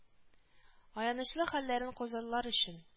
Аянычлы хәлләрен күзаллар өчен